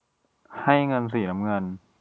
ให้เงินสีน้ำเงิน